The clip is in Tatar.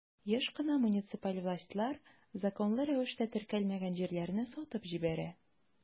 Еш кына муниципаль властьлар законлы рәвештә теркәлмәгән җирләрне сатып җибәрә.